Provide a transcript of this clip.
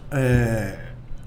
Ɛɛ